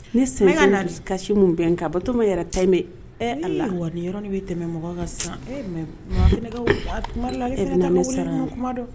Ne sen tɛ na n bɛ kana dusu kasi min bɛn kan Batoma yɛrɛ ta in bɛ ɛɛ Ala ii wa nin yɔrɔ nin bɛ tɛmɛ mɔgɔ ka san ee mais Ma ne ka wo a tumadɔw la ale fɛnɛ t'a ka weleli ninnu kumadɔn